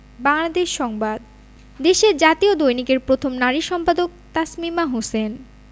বাংলাদেশ সংবাদ দেশের জাতীয় দৈনিকের প্রথম নারী সম্পাদক তাসমিমা হোসেন